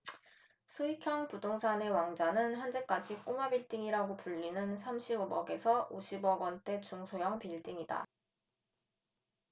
수익형 부동산의 왕좌는 현재까지 꼬마 빌딩이라고 불리는 삼십 억 에서 오십 억 원대 중소형 빌딩이다